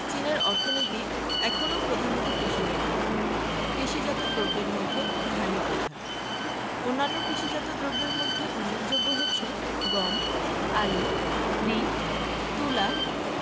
চীনের অর্থনীতি এখনো প্রধানত কৃষিনির্ভর কৃষিজাত দ্রব্যের মধ্যে ধানই প্রধান অন্যান্য কৃষিজাত দ্রব্যের মধ্যে উল্লেখযোগ্য হচ্ছে গম আলু রীট তুলা